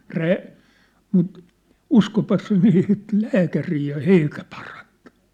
- mutta uskoipas se meni sitten lääkäriin ja eikä parantunut